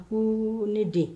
A ko ne den